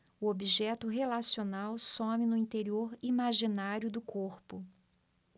o objeto relacional some no interior imaginário do corpo